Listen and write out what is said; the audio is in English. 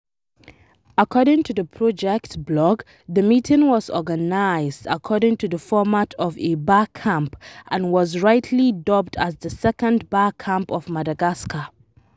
According to the project blog the meeting was organized according to the format of a Barcamp and was rightly dubbed as the second Barcamp of Madagascar.